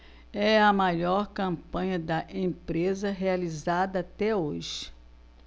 é a maior campanha da empresa realizada até hoje